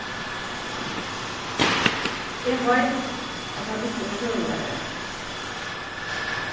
eg veit at hann ikki er søgulærari